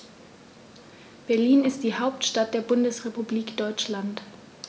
Berlin ist die Hauptstadt der Bundesrepublik Deutschland.